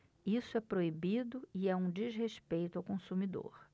isso é proibido e é um desrespeito ao consumidor